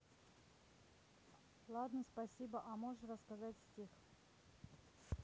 ладно спасибо а можешь рассказать стих